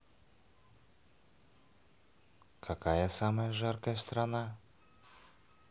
какая самая жаркая страна